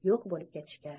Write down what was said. yo'q bo'lib ketishga